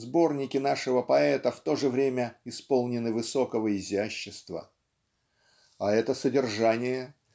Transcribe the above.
сборники нашего поэта в то же время исполнены высокого изящества. А это содержание